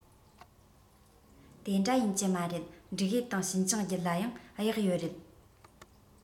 དེ འདྲ ཡིན གྱི མ རེད འབྲུག ཡུལ དང ཤིན ཅང རྒྱུད ལ ཡང གཡག ཡོད རེད